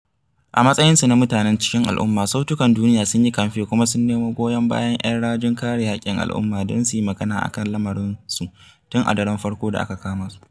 A matsayinsu na mutanen cikin al'umma, Sautukan Duniya sun yi kamfe kuma sun nemo goyon bayan 'yan rajin kare haƙƙin al'umma don su yi magana a kan lamarinsu tun a daren farko da aka kama su.